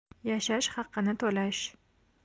yashash haqini to'lash